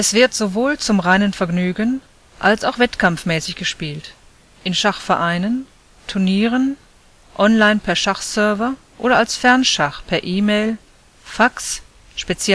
wird sowohl zum reinen Vergnügen als auch wettkampfmäßig gespielt, in Schachvereinen, Turnieren, online per Schachserver oder als Fernschach per E-Mail, Fax, speziellen Fernschachservern und Postkarte